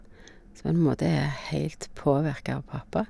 Som på en måte er heilt påvirka av pappa.